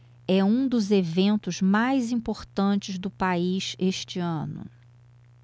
é um dos eventos mais importantes do país este ano